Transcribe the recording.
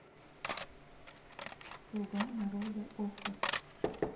слуга народа окко